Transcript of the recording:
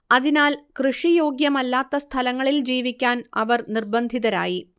അതിനാൽ കൃഷി യോഗ്യമല്ലാത്ത സ്ഥലങ്ങളിൽ ജീവിക്കാൻ അവർ നിർബന്ധിതരായി